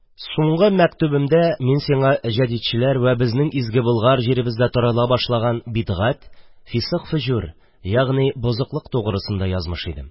Суңгы мәктүбемдә мин сиңа җәдитчеләр вә безнең изге Болгар җиребездә тарала башлаган бидгатъ, фисык-фөҗүр, ягъни бозыклык тугрысында язмыш идем.